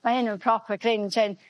Ma' hyn yn proper cringe hyn.